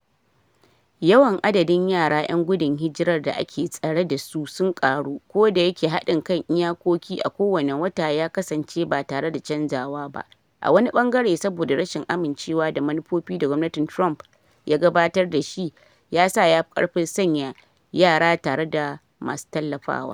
Yawan adadin yara 'yan gudun hijirar da ake tsare da su sun karu ko da yake haɗin kan iyakoki a kowane wata ya kasance ba tare da canzawa ba, a wani bangare saboda rashin amincewa da manufofi da gwamnatin Trump ya gabatar da shi ya sa ya fi ƙarfin sanya yara tare da masu tallafawa.